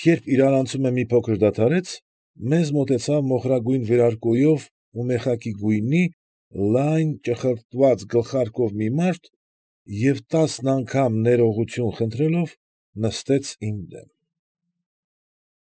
Երբ իրարանցումը մի փոքր դադարեց, մեզ մոտեցավ մոխրագույն վերարկուով ու մեխակի գույնի, լայն, ճխլտված գլխարկով մի մարդ և, տասն անգամ ներողություն խնդրելով, նստեց իմ դեմը։